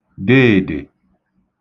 deèdè